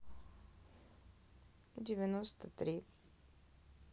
девяносто три